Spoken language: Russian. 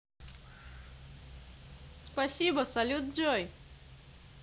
спасибо салют джой